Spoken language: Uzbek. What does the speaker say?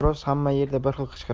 xo'roz hamma yerda bir xil qichqirar